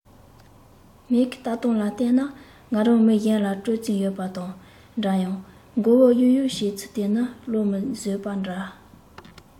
མིག གིས ལྟ སྟངས ལ བལྟས ན ང རང མི གཞན ལ སྤྲད རྩིས ཡོད པ དང འདྲ ཡང མགོ བོ གཡུག གཡུག བྱེད ཚུལ དེ ནི བློས མི བཟོད པ འདྲ